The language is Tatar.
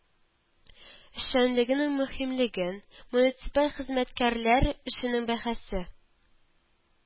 Эшчәнлегенең мөһимлеген, муниципаль хезмәткәрләр эшенең бәһасен